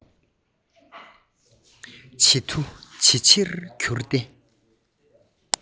ཇེ ཐུ དང ཇེ ཆེར གྱུར ཏེ